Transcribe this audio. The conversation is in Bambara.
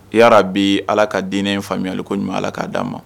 Yarabii Ala ka diinɛ in faamuyali ko ɲuman Ala k'a d'an ma